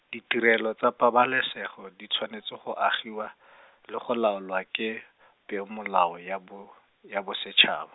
ditirelo tsa pabalesego di tshwanetse go agiwa , le go laolwa ke, peomolao ya bo-, ya bosetšhaba.